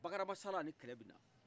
bakaramasala ani kɛlɛ bɛ na